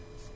oui